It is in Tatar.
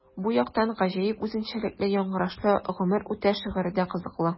Бу яктан гаҗәеп үзенчәлекле яңгырашлы “Гомер үтә” шигыре дә кызыклы.